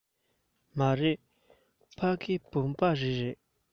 མ རེད ཕ གི བུམ པ རི རེད